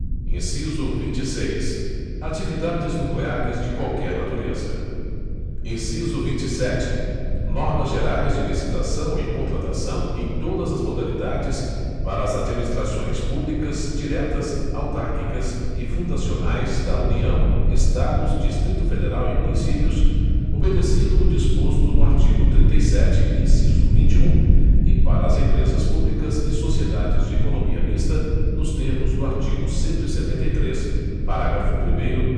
inciso vinte e seis atividades nucleares de qualquer natureza inciso vinte e sete normas gerais de licitação e contratação em todas as modalidades para as administrações públicas diretas autárquicas e fundacionais da união estados distrito federal e municípios obedecido o disposto no artigo trinta e sete inciso vinte e um e para as empresas públicas e sociedades de economia mista nos termos do artigo cento e setenta e três parágrafo primeiro